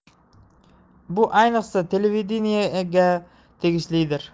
bu ayniqsa televideniega tegishlidir